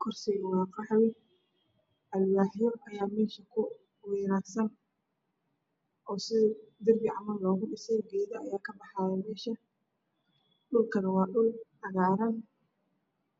kursiga waa qaxwi alwaaxyo aaya meeshani ku wegaarsan oo sida darbi camal logu dhisay geedo ayaa kabaxaya dhulkana wa adhul cagaaran